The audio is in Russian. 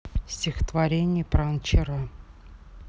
стихотворение про анчара